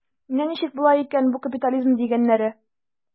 Менә ничек була икән бу капитализм дигәннәре.